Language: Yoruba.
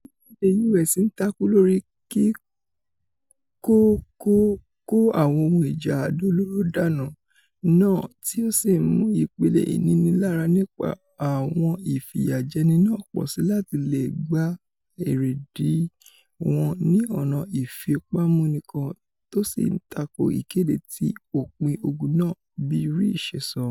orílẹ̀-èdè U.S. ńtakú lórí ''kíkọ́kọ́ kó àwọn ohun ìjà àdó olóró dànù'' náà tí ó sì ńmu ipele ìninilára nípa àwọn ìfìyàjẹni náà pọ̀síi láti leè gba èrèdí wọn ní ọ̀nà ìfipámúni kan, tósì ńtako ''ìkede ti òpin ogun náà,'''' bii Ri ṣe sọ.